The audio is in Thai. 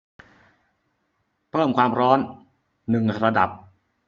เพิ่มความร้อนหนึ่งระดับ